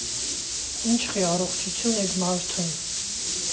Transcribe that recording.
Ինչևէ, առողջություն էդ մարդուն։